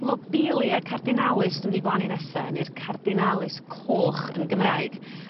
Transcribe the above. lobelia cardinalis dwi mynd i blannu nesa ne'r cardinalis coch yn Gymraeg.